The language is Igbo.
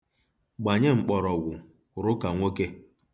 Gbanye mkpọrọgwụ, kwụrụ ka nwoke.